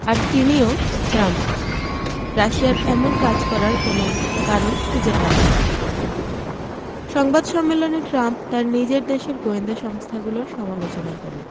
আর তিনিও ট্রাম্প রাশিয়ার এমন কাজ করার কোনো কারণ খুঁজে পান না সংবাদ সম্মেলনে ট্রাম্প তাঁর নিজ দেশের গোয়েন্দা সংস্থাগুলোর সমালোচনা করেন